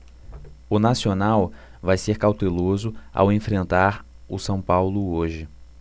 o nacional vai ser cauteloso ao enfrentar o são paulo hoje